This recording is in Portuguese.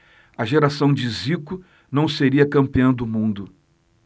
a geração de zico não seria campeã do mundo